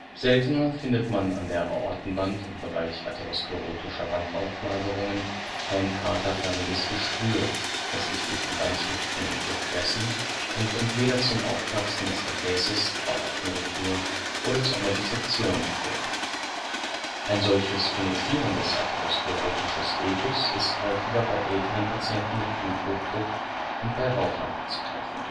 Seltener findet man an der Aortenwand im Bereich atherosklerotischer Wandauflagerungen ein kraterförmiges Geschwür, das sich durch die Wandschichten „ gefressen “und entweder zum Aufplatzen des Gefäßes (Aortenruptur) oder zu einer Dissektion geführt hat. Ein solches penetrierendes atherosklerotisches Ulkus ist häufiger bei älteren Patienten mit Bluthochdruck und bei Rauchern anzutreffen